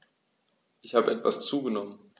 Ich habe etwas zugenommen